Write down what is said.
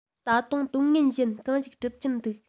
ད དུང དོན ངན གཞན གང ཞིག སྒྲུབ ཀྱིན འདུག